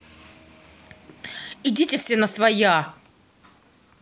идите все на своя